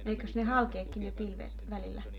eikös ne halkeakin ne pilvet välillä